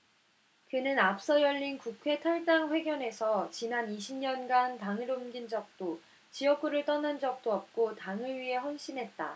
그는 앞서 열린 국회 탈당 회견에서 지난 이십 년간 당을 옮긴 적도 지역구를 떠난 적도 없고 당을 위해 헌신했다